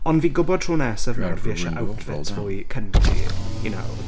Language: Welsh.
Ond fi'n gwbod tro nesaf nawr fi isie outfits fwy cunty you know.